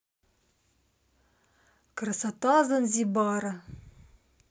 красота занзибара